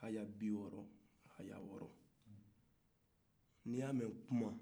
haya biwɔɔrɔ haya wɔɔrɔ n'i ya mɛ kuma